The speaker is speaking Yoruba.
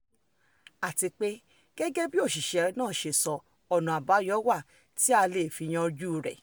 Àti pé gẹ́gẹ́ bí òṣìṣẹ́ náà ṣe sọ, ọ̀nà àbáyọ wà tí a lè fi yanjú rẹ̀.